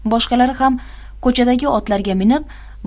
boshqalari ham ko'chadagi otlariga minib